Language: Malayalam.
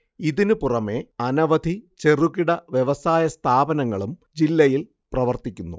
ഇതിനു പുറമേ അനവധി ചെറുകിട വ്യവസായ സ്ഥാപനങ്ങളും ജില്ലയില്‍ പ്രവര്‍ത്തിക്കുന്നു